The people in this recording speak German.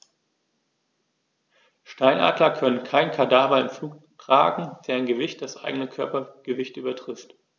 Steinadler können keine Kadaver im Flug tragen, deren Gewicht das eigene Körpergewicht übertrifft.